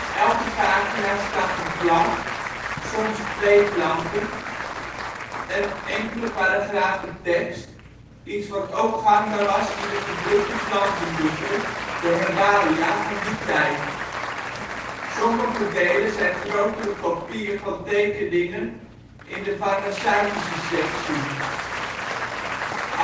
elke pagina staat een plant (soms twee planten) en enkele paragrafen tekst, iets wat ook gangbaar was in de gedrukte plantenboeken (herbaria) van die tijd. Sommige delen zijn grotere kopieën van tekeningen in de farmaceutische sectie (zie hieronder). Astronomisch